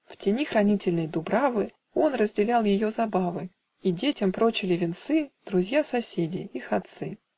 В тени хранительной дубравы Он разделял ее забавы, И детям прочили венцы Друзья-соседы, их отцы.